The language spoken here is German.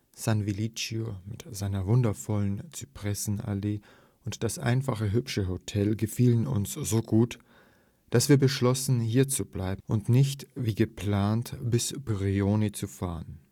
San Vigilio mit seiner wundervollen Zypressenallee und das einfache, hübsche Hotel gefielen uns so gut, dass wir beschlossen, hier zu bleiben und nicht, wie geplant bis Brioni zu fahren